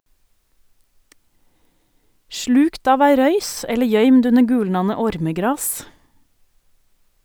Slukt av ei røys, eller gøymd under gulnande ormegras?